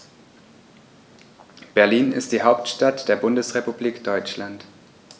Berlin ist die Hauptstadt der Bundesrepublik Deutschland.